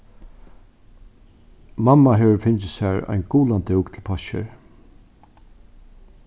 mamma hevur fingið sær ein gulan dúk til páskir